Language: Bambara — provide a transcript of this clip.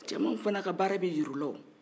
cɛmanw fana ka baara bɛ yira ola o